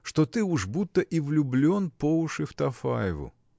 – что ты уж будто и влюблен по уши в Тафаеву.